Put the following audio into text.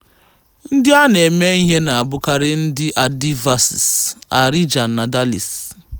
Ndị a na-eme ihe na abụkarị ndị Adivasis, Harijan na Dalits.